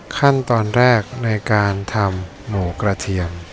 ขั้นตอนแรกในการทำหมูกระเทียม